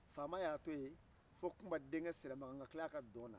faama y'a toyen fo kunba denkɛ siramakan ka tila a ka dɔn na